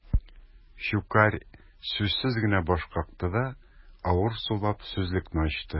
Щукарь сүзсез генә баш какты да, авыр сулап сүзлекне ачты.